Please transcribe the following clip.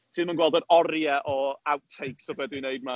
Ti ddim yn gweld yr oriau o outtakes o be dwi'n wneud 'ma.